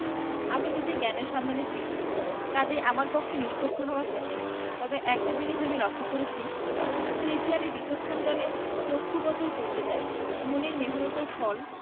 আমি নিজে জ্ঞানের সন্ধানে ফিরি কাজেই আমার পক্ষে নিরপেক্ষ হওয়া কঠিন তবে একটা জিনিস আমি লক্ষ করেছি সেইটে আমি বিচক্ষণ জনের চক্ষু গোচর করতে চাই ধনীর মেহন্নতের ফল